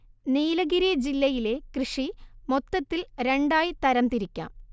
നീലഗിരി ജില്ലയിലെ കൃഷി മൊത്തത്തിൽ രണ്ടായി തരം തിരിക്കാം